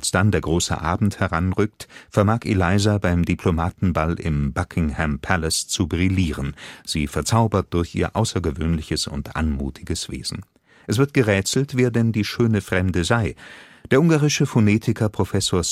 dann der große Abend heranrückt, vermag Eliza beim Diplomatenball im Buckingham Palace zu brillieren. Sie verzaubert durch ihr außergewöhnliches und anmutiges Wesen. Es wird gerätselt, wer denn die schöne Fremde sei. Der ungarische Phonetiker Prof.